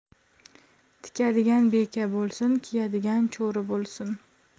tikadigan beka bo'lsin kiyadigan cho'ri bo'lsin